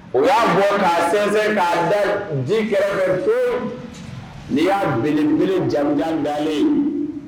U ya bɔ ka sinsin ka da ji kɛrɛfɛ koyi. Ni ya belebele jama jan dalenlen ye.